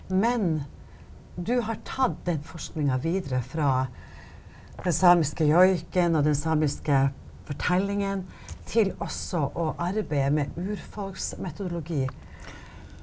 men du har tatt den forskninga videre fra den samiske joiken og den samiske fortellingen til også å arbeide med urfolksmetodologi.